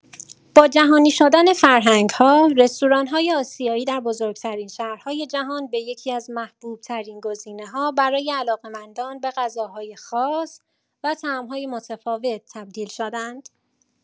با جهانی‌شدن فرهنگ‌ها، رستوران‌های آسیایی در بزرگ‌ترین شهرهای جهان به یکی‌از محبوب‌ترین گزینه‌ها برای علاقه‌مندان به غذاهای خاص و طعم‌های متفاوت تبدیل شده‌اند.